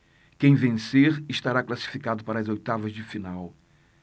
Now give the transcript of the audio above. quem vencer estará classificado para as oitavas de final